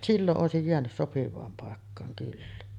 silloin olisi jäänyt sopivaan paikkaan kyllä